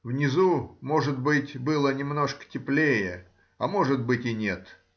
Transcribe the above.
Внизу, может быть, было немножко теплее, а может быть, и нет